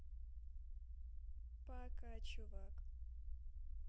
пока чувак